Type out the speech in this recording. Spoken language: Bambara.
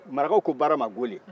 marakaw ko baara ma gole